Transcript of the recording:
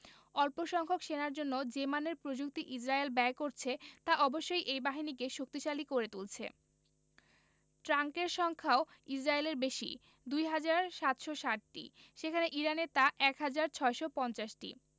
অল্পসংখ্যক সেনার জন্য যে মানের প্রযুক্তি ইসরায়েল ব্যবহার করছে তা অবশ্যই এই বাহিনীকে শক্তিশালী করে তুলছে ট্যাংকের সংখ্যাও ইসরায়েলের বেশি ২ হাজার ৭৬০টি সেখানে ইরানের তা ১ হাজার ৬৫০টি